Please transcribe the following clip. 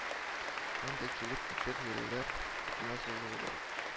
Мондый килеп-китеп йөрүләр күпмегә сузылыр